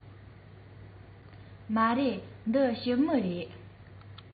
མ རེད འདི ཞི མི རེད